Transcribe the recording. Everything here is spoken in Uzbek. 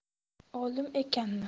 olim ekanmi